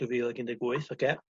dwy fil ag undeg wyth oce